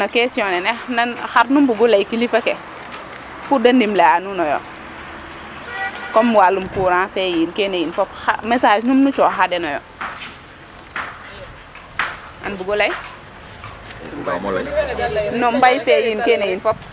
So i mbakit no question nene xar nu mbugu lay kilifa ke pour de ndimle a nuunooyo kom walum courant fe yiin kene yiin fop xar message num nu cooxaa den oyo an bugu lay no mbay fe yiin kene yiin fop.